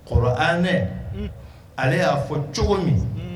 Kɔrɔ an ale y'a fɔ cogo min